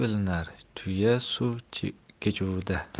bilinar tuya suv kechuvda